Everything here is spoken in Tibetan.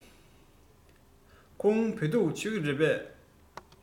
ཁོང བོད ཐུག མཆོད ཀྱི རེད པས